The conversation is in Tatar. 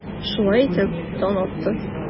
Шулай итеп, таң атты.